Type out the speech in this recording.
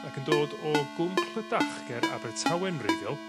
ac yn dod o Gwm Clydach ger Abertawe'n wreiddiol